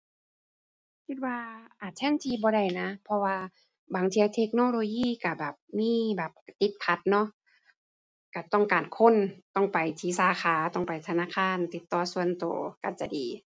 คิดว่าอาจแทนที่บ่ได้นะ เพราะว่าบางเที่ยเทคโนโลยีก็แบบมีแบบติดขัดเนาะ ก็ต้องการคน ต้องไปที่สาขา ต้องไปธนาคารติดต่อส่วนก็ก็จะดี